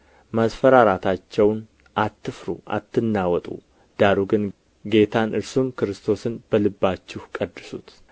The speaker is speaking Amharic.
ማስፈራራታቸውንም አትፍሩ አትናወጡም ዳሩ ግን ጌታን እርሱም ክርስቶስ በልባችሁ ቀድሱት